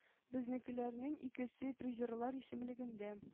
Безнекеләрнең икесе – призерлар исемлегендә.